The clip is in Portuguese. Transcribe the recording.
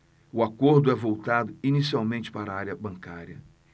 o acordo é voltado inicialmente para a área bancária